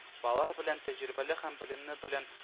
Балалар белән тәҗрибәләре һәм белемне белән